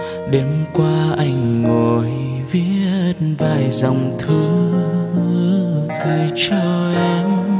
đêm qua anh ngồi viết vài dòng thư gửi cho em